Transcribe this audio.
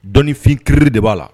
Dɔnifin kiiriri de b'a la.